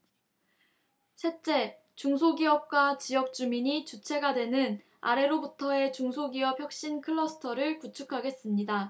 셋째 중소기업과 지역주민이 주체가 되는 아래로부터의 중소기업 혁신 클러스터를 구축하겠습니다